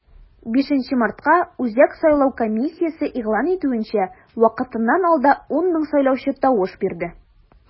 5 мартка, үзәк сайлау комиссиясе игълан итүенчә, вакытыннан алда 10 мең сайлаучы тавыш бирде.